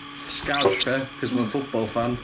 ff- sgarff ia, achos mae'n football fan.